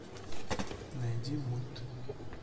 найди мульт